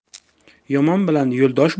yomon bilan yo'ldosh